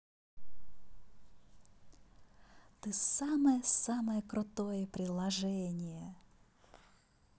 ты самое самое крутое приложение